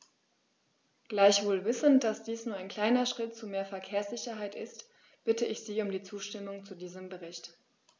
Gleichwohl wissend, dass dies nur ein kleiner Schritt zu mehr Verkehrssicherheit ist, bitte ich Sie um die Zustimmung zu diesem Bericht.